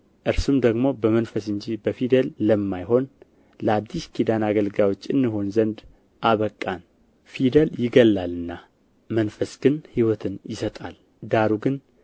እርሱም ደግሞ በመንፈስ እንጂ በፊደል ለማይሆን ለአዲስ ኪዳን አገልጋዮች እንሆን ዘንድ አበቃን ፊደል ይገድላልና መንፈስ ግን ሕይወትን ይሰጣል ዳሩ ግን